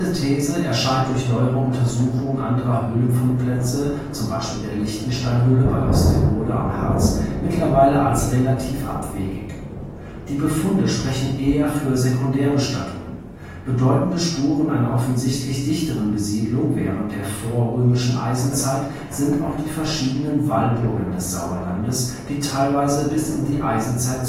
These erscheint durch neuere Untersuchungen anderer Höhlenfundplätze (zum Beispiel der Lichtensteinhöhle bei Osterode am Harz) mittlerweile als relativ abwegig. Die Befunde sprechen eher für Sekundärbestattungen. Bedeutende Spuren einer offensichtlich dichteren Besiedlung während der vorrömischen Eisenzeit sind auch die verschiedenen Wallburgen des Sauerlandes, die teilweise bis in die Eisenzeit zurückreichen